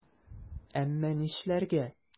Әмма нишләргә?!